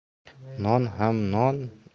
non ham non